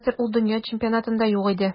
Хәзер ул дөнья чемпионатында юк иде.